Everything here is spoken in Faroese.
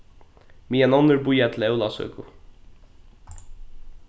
meðan onnur bíða til ólavsøku